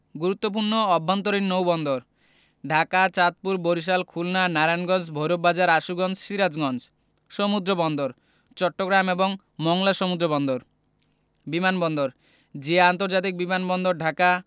গুরুত্বপূর্ণ অভ্যন্তরীণ নৌবন্দরঃ ঢাকা চাঁদপুর বরিশাল খুলনা নারায়ণগঞ্জ ভৈরব বাজার আশুগঞ্জ সিরাজগঞ্জ সমুদ্রবন্দরঃ চট্টগ্রাম এবং মংলা সমুদ্রবন্দর বিমান বন্দরঃ জিয়া আন্তর্জাতিক বিমান বন্দর ঢাকা